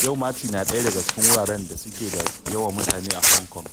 Yau Ma Tei na ɗaya daga cikin wuraren da suke da yawan mutane a Hong Kong.